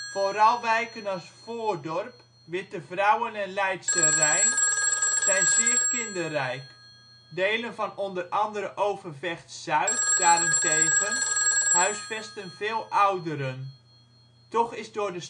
Vooral wijken als Voordorp, Wittevrouwen en Leidsche Rijn zijn zeer kinderrijk. Delen van onder andere Overvecht-Zuid daarentegen huisvesten veel ouderen. Toch is door de